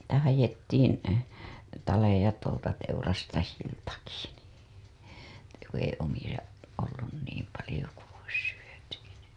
sitä haettiin taleja tuolta teurastajiltakin niin että kun ei omia ollut niin paljon kuin olisi syöty niin